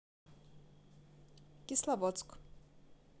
кисловодск